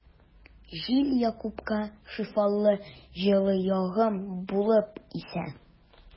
Җил Якупка шифалы җылы агым булып исә.